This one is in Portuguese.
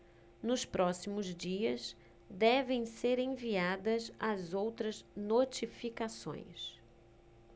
nos próximos dias devem ser enviadas as outras notificações